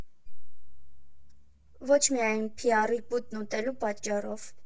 Ոչ միայն փիառի կուտն ուտելու պատճառով։